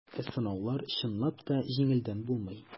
Ә сынаулар, чынлап та, җиңелдән булмый.